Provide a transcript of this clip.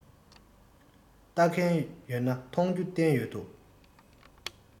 ལྟ མཁན ཡོད ན མ ཡོང ན མཐོང རྒྱུ བསྟན ཡོད དོ